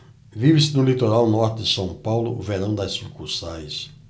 vive-se no litoral norte de são paulo o verão das sucursais